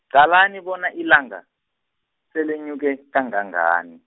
qalani bona ilanga, selenyuke, kangangani.